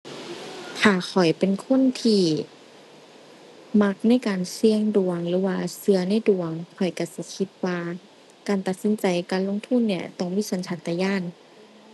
ถ้าข้อยเป็นคนที่มักในการเสี่ยงดวง หรือว่าเชื่อในดวง ข้อยเชื่อสิคิดว่าการตัดสินใจการลงทุนเนี่ยต้องมีสัญชาตญาณ